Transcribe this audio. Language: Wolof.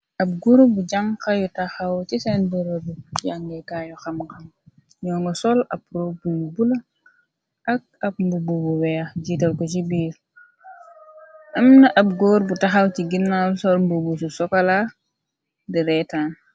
Ab group bu jànha yu tahaw ci senn bërëru jàngeekaay yu ham-ham ñoo ngi sol ab robbu yu bulo ak ab mbubu bu weeh jiital ko ci biir. Amna ab góor bu tahaw chi ganaaw sol mbubu sokolaa di reytaan.